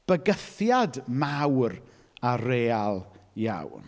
Bygythiad mawr a real iawn.